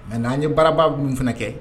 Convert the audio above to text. Maintenant an ye baaraba minnu fana kɛ